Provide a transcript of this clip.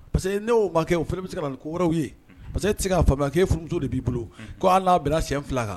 Parce queo o bɛ se ka ye pa parce que e tɛ se' fa k' e furumuso de b'i bolo koa bɛna sɛ fila kan